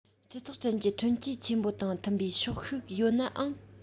སྤྱི ཚོགས ཅན གྱི ཐོན སྐྱེད ཆེན པོ དང མཐུན པའི ཕྱོགས ཤིག ཡོད ནའང